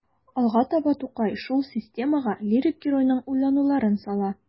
Алга таба Тукай шул системага лирик геройның уйлануларын сала.